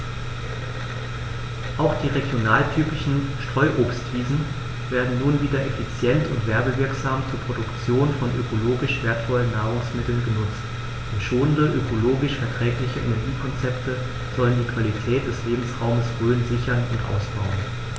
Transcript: Auch die regionaltypischen Streuobstwiesen werden nun wieder effizient und werbewirksam zur Produktion von ökologisch wertvollen Nahrungsmitteln genutzt, und schonende, ökologisch verträgliche Energiekonzepte sollen die Qualität des Lebensraumes Rhön sichern und ausbauen.